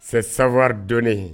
C'est savoir donner